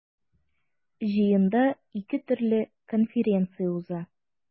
Җыенда ике төрле конференция уза.